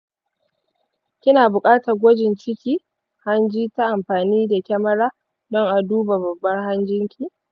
kina bukatan gwajin cikin hanji ta amfani da kyamara don a duba babbar hanjin ki.